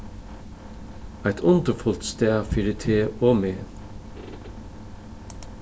eitt undurfult stað fyri teg og meg